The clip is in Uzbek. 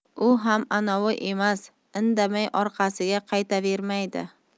u ham anoyi emas indamay orqasiga qaytavermaydi